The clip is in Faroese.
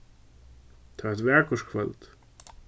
tað var eitt vakurt kvøld